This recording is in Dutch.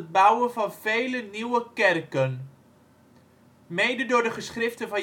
bouwen van vele nieuwe kerken. Mede door de geschriften